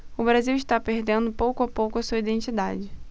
o brasil está perdendo pouco a pouco a sua identidade